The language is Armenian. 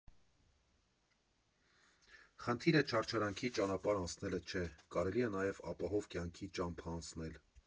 ֊ Խնդիրը չարչարանքի ճանապարհ անցնելը չէ, կարելի է նաև ապահով կյանքի ճամփա անցնել։